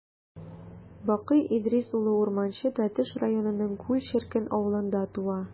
Бакый Идрис улы Урманче Тәтеш районының Күл черкен авылында туа.